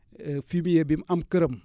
fumier bi mu am këram